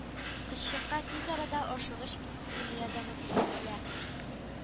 Кызчыкка тиз арада ашыгыч медицина ярдәме күрсәтелә